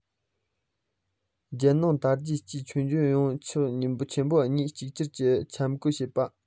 རྒྱལ ནང དང རྒྱལ སྤྱིའི ཁྱོན ཡོངས ཆེན པོ གཉིས གཅིག གྱུར གྱིས འཆར འགོད བྱེད པ